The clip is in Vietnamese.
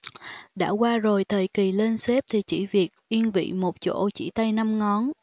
đã qua rồi thời kỳ lên sếp thì chỉ việc yên vị một chỗ chỉ tay năm ngón